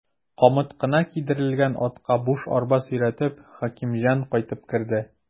Камыт кына кидерелгән атка буш арба сөйрәтеп, Хәкимҗан кайтып керде.